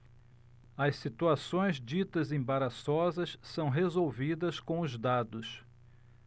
as situações ditas embaraçosas são resolvidas com os dados